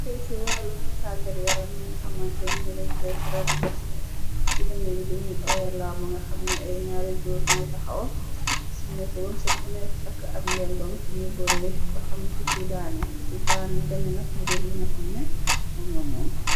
Tey ci wàllu tàggat yaram, mi nga xamante niñe deñ koy fara di def, li ci demeene luñuy oye lamba, nga xamni ay ñaari góor ñooy taxaw, simiko bam set, ku nekk takk ab ngembam geen bore ba xam ku ci daane, ku ci daane gaña nak, nga jal li nga xamne moom ngamoon.